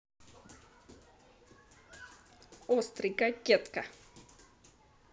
острый кокетка